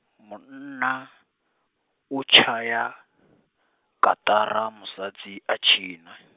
munna, u tshaya, kaṱara musadzi a tshina.